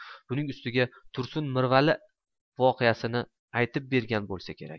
buning ustiga tursun mirvali voqeasini aytib bergan bo'lsa kerak